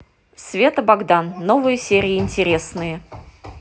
света богдан новые серии интересные